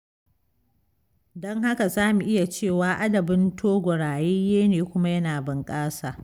Don haka za mu iya cewa adabin Togo rayayye ne kuma yana bunƙasa.